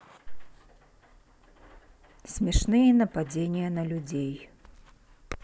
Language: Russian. смешные нападения на людей